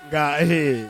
Nka ee